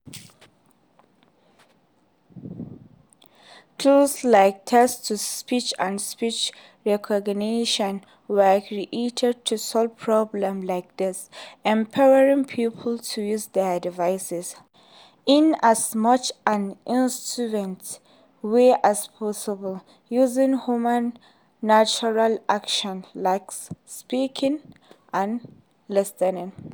Tools like text-to-speech and speech recognition were created to solve problems like this: empower people to use their devices in as much an intuitive way as possible, using human-natural actions like speaking and listening.